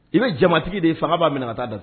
I bɛ jamatigi de ye fanga b'a minɛ ka taa datugu.